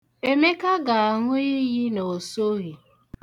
Emeka ga-aṅụ iyi na o soghị.